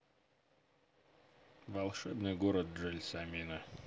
волшебный город джельсомино